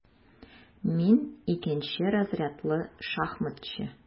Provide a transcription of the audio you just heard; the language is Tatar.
Мин - икенче разрядлы шахматчы.